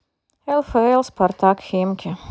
лфл спартак химки